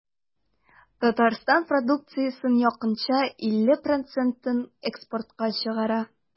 Татарстан продукциясенең якынча 50 процентын экспортка чыгара.